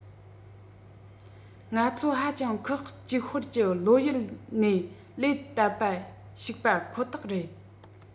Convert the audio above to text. ང ཚོ ཧ ཅང ཁག གཅིག སྤེལ གྱི བློ ཡུལ ནས ལན བཏབ པ ཞིག པ ཁོ ཐག རེད